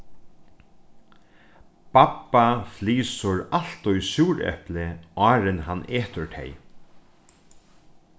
babba flysur altíð súrepli áðrenn hann etur tey